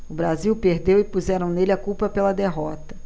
o brasil perdeu e puseram nele a culpa pela derrota